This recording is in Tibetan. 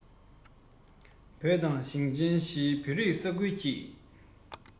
བོད དང ཞིང ཆེན བཞིའི བོད རིགས ས ཁུལ གྱི